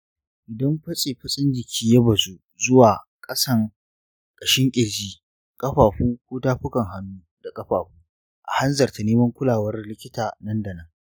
idan fatsifatsin jiki ya bazu zuwa ƙasandƙashin ƙirji, ƙafafu, ko tafukan hannu da ƙafafu, a hanzarta neman kulawar likita nan da nan